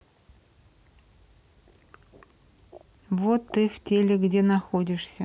вот ты в теле где находишься